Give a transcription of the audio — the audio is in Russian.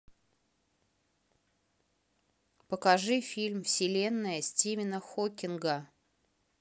покажи фильм вселенная стивена хоккинга